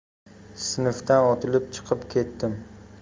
sinfdan otilib chiqib ketdim